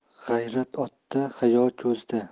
g'ayrat otda hayo ko'zda